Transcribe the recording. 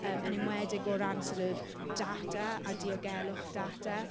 Yym yn enwedig o ran sort of data a diogelwch data.